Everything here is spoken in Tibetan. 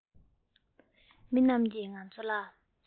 མི རྣམས ཀྱིས ང ཚོ ལ